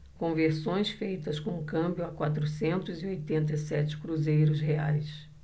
conversões feitas com câmbio a quatrocentos e oitenta e sete cruzeiros reais